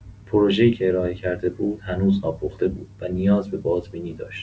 پروژه‌ای که ارائه کرده بود هنوز ناپخته بود و نیاز به بازبینی داشت.